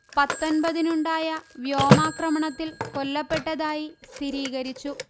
പത്തൊന്പതിനുണ്ടായ വ്യോമാക്രമണത്തിൽ കൊല്ലപ്പെട്ടതായി സ്ഥിരീകരിച്ചു